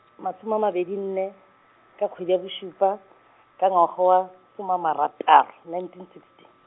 masome a mabedi nne, ka kgwedi ya bosupa, ka ngwaga wa, soma a marataro, nineteen sixty.